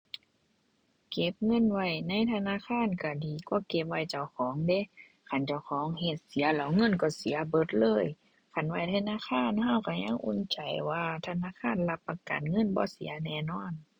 เก็บเงินไว้ในธนาคารก็ดีกว่าเก็บไว้เจ้าของเดะ คันเจ้าของเฮ็ดเสียแล้วเงินก็เสียเบิดเลย คันไว้ธนาคารก็ก็ยังอุ่นใจว่าธนาคารรับประกันเงินบ่เสียแน่นอน